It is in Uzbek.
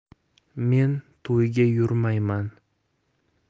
men to'yga yurmayman